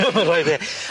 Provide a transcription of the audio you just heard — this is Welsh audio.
Ma' rai fe.